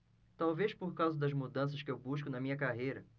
talvez por causa das mudanças que eu busco na minha carreira